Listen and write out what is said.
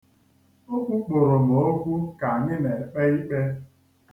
O kwukporo m okwu ka anyị na-ekpe ikpe.